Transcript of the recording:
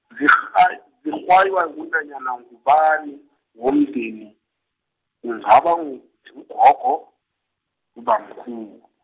zirhay- zirhwaywa ngunanyana ngubani, womndeni, kungaba ng- ngugogo, ubamkhulu.